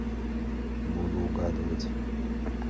буду угадывать